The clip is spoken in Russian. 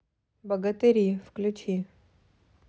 богатыри включи